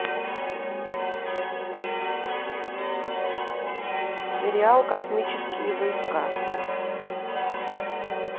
сериал космические войска